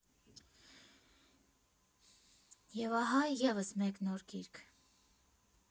Եվ ահա՝ ևս մեկ նոր գիրք։